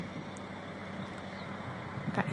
Ferdig.